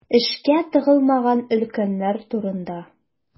Эшкә тыгылмаган өлкәннәр турында.